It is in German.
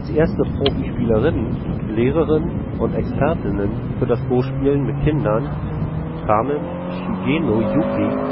erste Profispielerinnen, Lehrerinnen und Expertinnen für das Go-Spielen mit Kindern kamen Shigeno Yuki